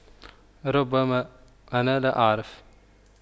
ربما أنا لا أعرف